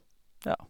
Ja.